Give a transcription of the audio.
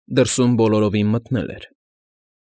Դրսում բոլորովին մթնել էր։